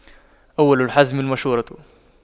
أول الحزم المشورة